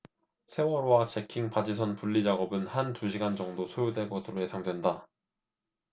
세월호와 잭킹 바지선 분리 작업은 한 두 시간 정도 소요될 것으로 예상된다